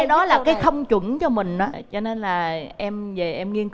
cái đó là cái thông chuẩn cho mình ớ cho nên là em về em nghiên